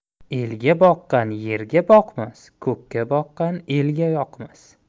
elga boqqan yerga boqmas ko'kka boqqan elga yoqmas